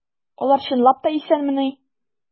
Алар чынлап та исәнмени?